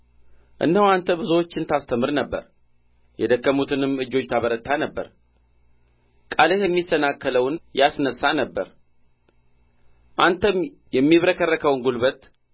እነሆ አንተ ብዙዎችን ታስተምር ነበር የደከሙትንም እጆች ታበረታ ነበር ቃልህ የሚሰናከለውን ያስነሣ ነበር አንተም የሚብረከረከውን ጕልበት